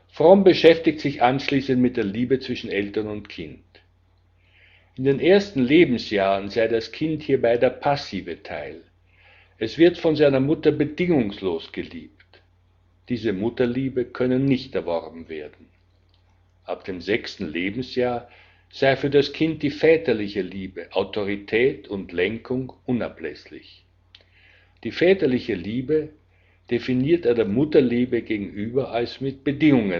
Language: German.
Fromm beschäftigt sich anschließend mit der Liebe zwischen Eltern und Kind. In den ersten Lebensjahren sei das Kind hierbei der passive Teil; es wird von seiner Mutter bedingungslos geliebt. Diese Mutterliebe könne nicht erworben werden. Ab dem sechsten Lebensjahr sei für das Kind die väterliche Liebe, Autorität und Lenkung unablässlich. Die väterliche Liebe definiert er der Mutterliebe gegenüber als mit Bedingungen